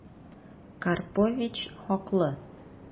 Карпович хаклы...